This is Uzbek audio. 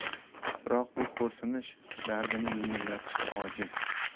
biroq bu xo'rsinish dardini yengillatishga ojiz